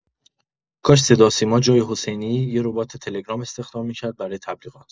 کاش صداوسیما جای حسینی یه ربات تلگرام استخدام می‌کرد برای تبلیغات!